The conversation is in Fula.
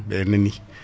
ɓe nani